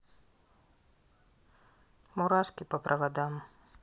мурашки по проводам